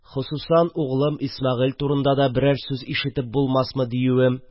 Хосусан, углым Исмәгыйль турында да берәр сүз ишетеп булмасмы диюем.